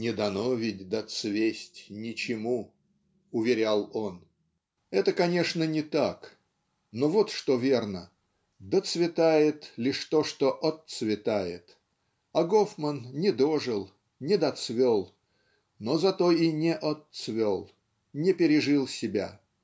"Не дано ведь доцвесть ничему", -- уверял он. Это, конечно, не так но вот что верно доцветает лишь то что отцветает а Гофман не дожил не доцвел но зато и не отцвел не пережил себя.